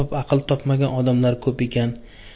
aql topmagan odamlar ko'p ekan